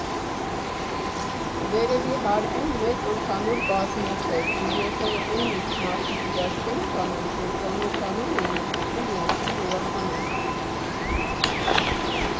Վերևի հարկում մեծ ընդհանուր բազմոց էր ու եթե նույնիսկ մարդիկ իրար չէին ճանաչում, ծանոթանում էին ու սկսում միասին ուրախանալ։